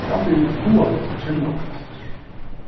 tað er altíð hugaligt at kenna okkurt aftur